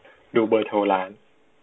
ดูเบอร์โทรร้าน